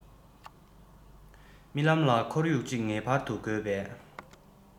རྨི ལམ ལ ཁོར ཡུག ཅིག ངེས པར དུ དགོས པས